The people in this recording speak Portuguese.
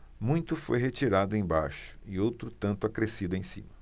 muito foi retirado embaixo e outro tanto acrescido em cima